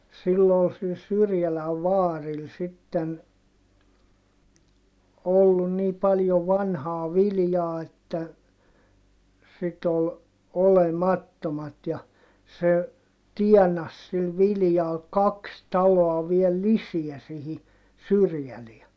sillä oli sillä Syrjälän vaarilla sitten ollut niin paljon vanhaa viljaa että sitten oli olemattomat ja se tienasi sillä viljalla kaksi taloa vielä lisää siihen Syrjälään